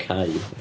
Cae.